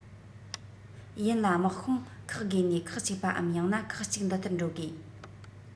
ཡིན ལ དམག དཔུང ཁག བགོས ནས ཁག ཅིག པའམ ཡང ན ཁག གཅིག འདི ལྟར འགྲོ དགོས